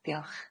Diolch.